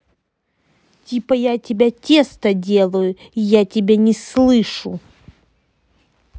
типа я тебя тесто делаю я тебя не слышу